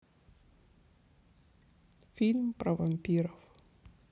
фильм про вампиров